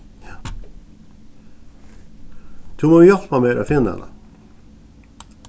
tú mugu hjálpa mær at finna hana